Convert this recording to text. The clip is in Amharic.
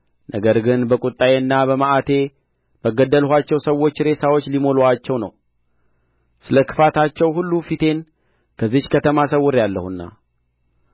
ነገር ግን በቁጣዬና በመዓቴ በገደልኋቸው ሰዎች ሬሳዎች ሊሞሉአቸው ነው ስለ ክፋታቸው ሁሉ ፊቴን ከዚህች ከተማ ሰውሬአለሁና